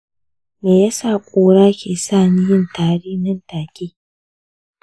me yasa ƙura ke sa ni yin tari nan take?